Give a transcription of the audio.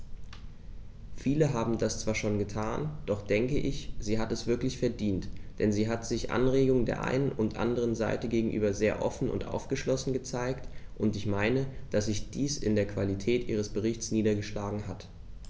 Viele haben das zwar schon getan, doch ich denke, sie hat es wirklich verdient, denn sie hat sich Anregungen der einen und anderen Seite gegenüber sehr offen und aufgeschlossen gezeigt, und ich meine, dass sich dies in der Qualität ihres Berichts niedergeschlagen hat.